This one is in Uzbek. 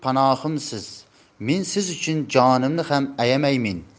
panohimsiz men siz uchun jonimni ham ayamaymen